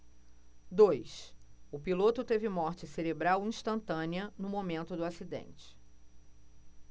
dois o piloto teve morte cerebral instantânea no momento do acidente